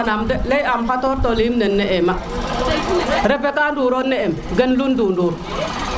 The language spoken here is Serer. nu mbasa naam de ley am xator to leymim ne ne ema Refeka Ndouro ne em gen lul ndundur